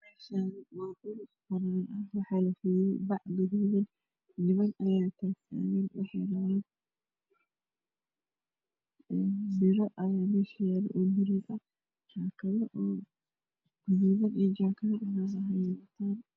Meshani waa dhuul banaan ah waxaa yala bac cadees ah niman ayaa tag tagan bira ayaa meesha yaala oo mirir ah jakado oo gaduudan iyo jakado cagaran ayeey watan